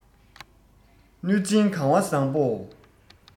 གནོད སྦྱིན གང བ བཟང པོ